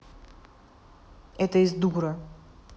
это из дура